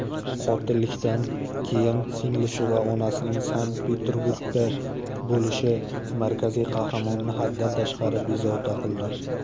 qotillikdan keyin singlisi va onasining sankt peterburgda bo'lishi markaziy qahramonni haddan tashqari bezovta qiladi